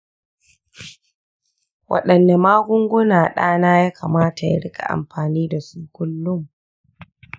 wadanne magunguna ɗana ya kamata ya rika amfani da su kullum?